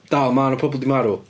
Dal, ma' 'na pobl 'di marw.